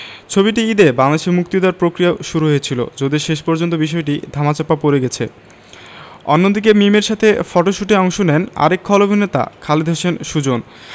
ছবিটি ঈদে বাংলাদেশে মুক্তি দেয়ার প্রক্রিয়াও শুরু হয়েছিল যদিও শেষ পর্যন্ত বিষয়টি ধামাচাপা পড়ে গেছে অন্যদিকে মিমের সাথে ফটশুটে অংশ নেন আরেক খল অভিনেতা খালেদ হোসেন সুজন